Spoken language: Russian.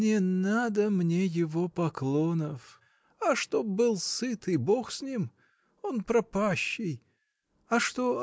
— Не надо мне его поклонов, а чтоб был сыт — и Бог с ним! Он пропащий! А что.